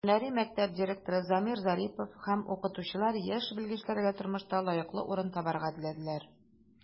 Һөнәри мәктәп директоры Замир Зарипов һәм укытучылар яшь белгечләргә тормышта лаеклы урын табарга теләделәр.